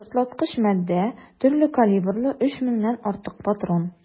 Шартлаткыч матдә, төрле калибрлы 3 меңнән артык патрон.